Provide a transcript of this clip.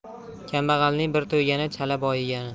kambag'alning bir to'ygani chala boyigani